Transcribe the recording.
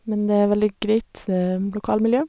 Men det er veldig greit lokalmiljø.